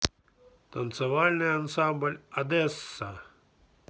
танцевальный ансамбль одесса